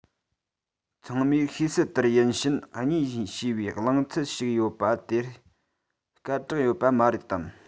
ཚང མས ཤེས གསལ ལྟར ཡིན ཕྱིན གཉིས ཞེས པའི གླེང ཚུལ ཞིག ཡོད པ དེ སྐད གྲགས ཡོད པ མ རེད དམ